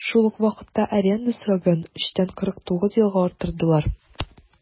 Шул ук вакытта аренда срогын 3 тән 49 елга арттырдылар.